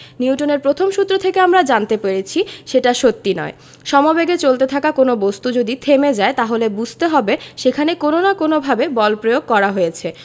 নিউটনের প্রথম সূত্র থেকে আমরা জানতে পেরেছি সেটা সত্যি নয় সমবেগে চলতে থাকা কোনো বস্তু যদি থেমে যায় তাহলে বুঝতে হবে সেখানে কোনো না কোনোভাবে বল প্রয়োগ করা হয়েছে